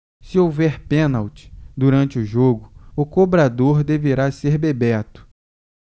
se houver pênalti durante o jogo o cobrador deverá ser bebeto